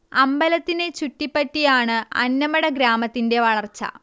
അമ്പലത്തിനെ ചുറ്റിപ്പറ്റിയാണ് അന്നമട ഗ്രാമത്തിന്റെ വളർച്ച